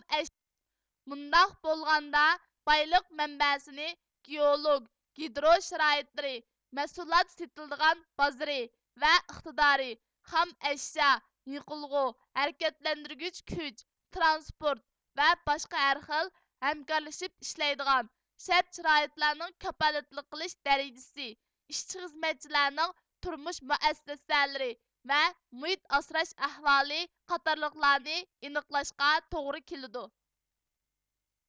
مۇنداق بولغاندا بايلىق مەنبەسىنى گېئولوگ گىدرو شارائىتلىرى مەھسۇلات سېتىلىدىغان بازىرى ۋە ئىقتىدارى خام ئەشيا يېقىلغۇ ھەرىكەتلەندۈرگۈچ كۈچ ترانسپورت ۋە باشقا ھەر خىل ھەمكارلىشىپ ئىشلەيدىغان شەرت شارائىتلارنىڭ كاپالەتلىك قىلىش دەرىجىسى ئىشچى خىزمەتچىلەرنىڭ تۇرمۇش مۇئەسسەسەلىرى ۋە مۇھىت ئاسراش ئەھۋالى قاتارلىقلارنى ئېنىقلاشقا توغرا كېلىدۇ